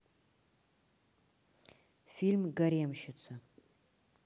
фильм гаремщица